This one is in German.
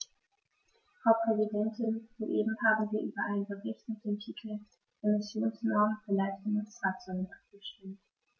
Frau Präsidentin, soeben haben wir über einen Bericht mit dem Titel "Emissionsnormen für leichte Nutzfahrzeuge" abgestimmt.